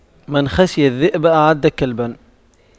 من خشى الذئب أعد كلبا